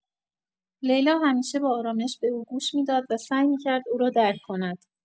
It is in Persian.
لیلا همیشه با آرامش به او گوش می‌داد و سعی می‌کرد او را درک کند.